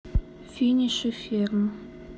финиши ферм